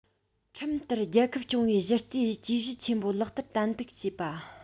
ཁྲིམས ལྟར རྒྱལ ཁབ སྐྱོང བའི གཞི རྩའི ཇུས གཞི ཆེན པོ ལག བསྟར ཏན ཏིག བྱས པ